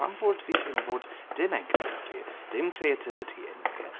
Pam fod fi'n teimlo fod dim egni 'da fi? Dim creativity in me?